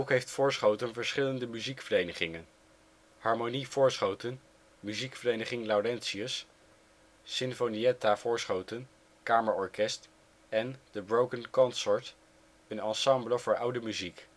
heeft Voorschoten verschillende muziekverenigingen: Harmonie Voorschoten, Muziekvereniging Laurentius, Sinfonietta Voorschoten (kamerorkest) en The (Broken) Consort, een ensemble voor oude muziek